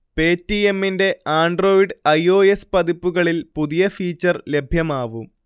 പേറ്റിയമ്മിന്റെ Android I. O. S പതിപ്പുകളിൽ പുതിയ feature ലഭ്യമാവും